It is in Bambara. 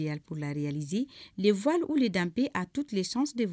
Pour la réaliser, les voiles ou les denbe a tout le sens